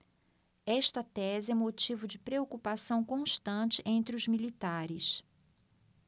esta tese é motivo de preocupação constante entre os militares